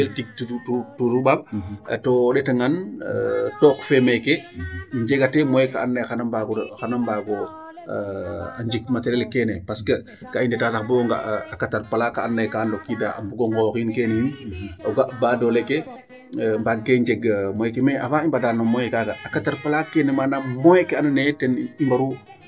Parce que kaa i ndetaa sax boo nga' kaa ndokiida a mbug o nqooxiin keene yiin ,o ga' baadoole ke mbaag ke njeg moyen ke. Mais avant i mbada no moyen kaaga a katarpla keene manaam moyen ke andoona yee ten i mbaru.